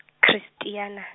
Christiana.